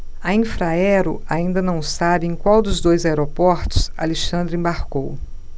a infraero ainda não sabe em qual dos dois aeroportos alexandre embarcou